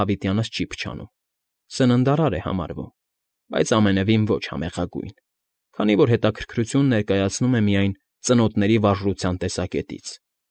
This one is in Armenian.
Հավիտյանս չի փչանում, սննդարար է համարվում, բայց ամենևին ոչ համեղագույն, քանի որ հետաքրքրություն ներկայանցում է միայն ծնոտների վարժության տեսակետից։